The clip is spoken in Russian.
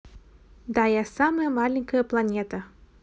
да я самая маленькая планета